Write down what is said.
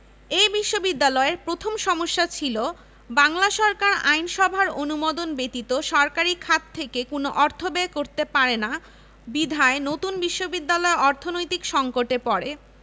এ বিশ্ববিদ্যালয়ের প্রথম সমস্যা ছিল বাংলা সরকার আইনসভার অনুমোদন ব্যতীত সরকারি খাত থেকে কোন অর্থ ব্যয় করতে পারে না বিধায় নতুন বিশ্ববিদ্যালয় অর্থনৈতিক সংকটে পড়ে